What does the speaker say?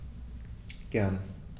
Gern.